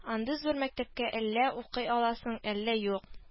Андый зур мәктәптә әллә укый аласың, әллә юк